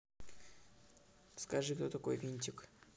скажи кто такой винтик